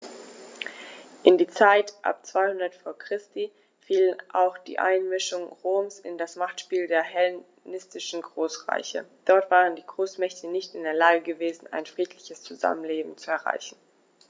In die Zeit ab 200 v. Chr. fiel auch die Einmischung Roms in das Machtspiel der hellenistischen Großreiche: Dort waren die Großmächte nicht in der Lage gewesen, ein friedliches Zusammenleben zu erreichen.